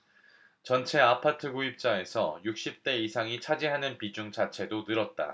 전체 아파트 구입자에서 육십 대 이상이 차지하는 비중 자체도 늘었다